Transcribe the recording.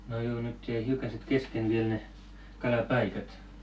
no juu nyt jäi hiukan sitten kesken vielä ne kalapaikat